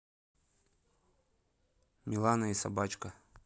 милана и собачка